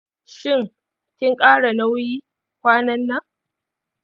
shin, kin ƙara nauyi kwanan nan?